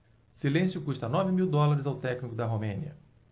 silêncio custa nove mil dólares ao técnico da romênia